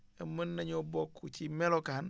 mën nañoo bokk ci melokaan